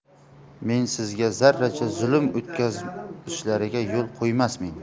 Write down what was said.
men sizga zarracha zulm o'tkazishlariga yo'l qo'ymasmen